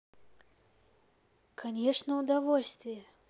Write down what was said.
конечно удовольствие